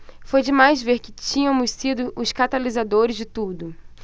foi demais ver que tínhamos sido os catalisadores de tudo